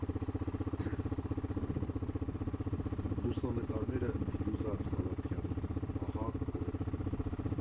Լուսանկարները՝ Փիրուզա Խալափյանի ԱՀԱ կոլեկտիվ։